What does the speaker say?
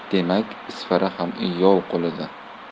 o'ting demak isfara ham yov qo'lida